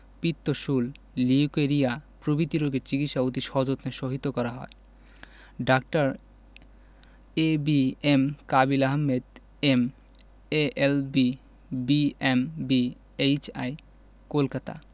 পিত্তশূল লিউকেরিয়া প্রভৃতি রোগের চিকিৎসা অতি যত্নের সহিত করা হয় ডাঃ A B M Kabil Ahmed M A L L B M B H I Kolkata